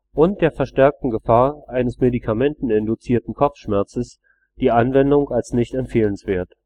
und der verstärkten Gefahr eines medikamenteninduzierten Kopfschmerzes, die Anwendung als nicht empfehlenswert